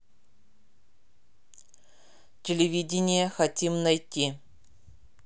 телевидение хотим найти